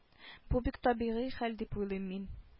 Бу бик табигый хәл дип уйлыйм мин